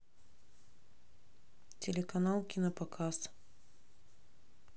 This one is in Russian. телеканал кинопоказ